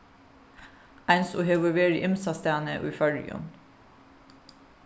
eins og hevur verið ymsastaðni í føroyum